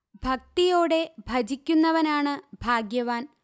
ഭക്തിയോടെ ഭജിക്കുന്നവനാണ് ഭാഗ്യവാൻ